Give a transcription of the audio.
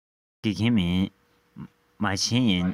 ང དགེ རྒན མིན མ བྱན ཡིན